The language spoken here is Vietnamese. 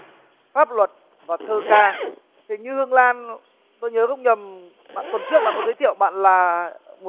pháp luật và thơ ca hình như hương lan tôi nhớ không nhầm bạn tuần trước bạn có giới thiệu bạn là một